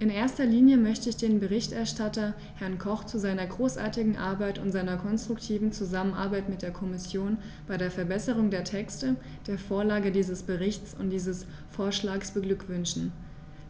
In erster Linie möchte ich den Berichterstatter, Herrn Koch, zu seiner großartigen Arbeit und seiner konstruktiven Zusammenarbeit mit der Kommission bei der Verbesserung der Texte, der Vorlage dieses Berichts und dieses Vorschlags beglückwünschen;